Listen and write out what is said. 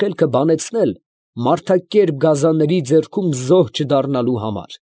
Խելքը բանացնել մարդակերպ գազանների ձեռքում զոհ չդառնալու համար»։